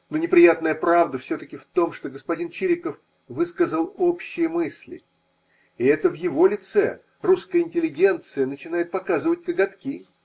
Но неприятная правда всетаки в том, что господин Чириков высказал общие мысли, и это в его лице русская интеллигенция начинает показывать коготки.